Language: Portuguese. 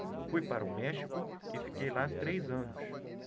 fui para o méxico e fiquei lá três anos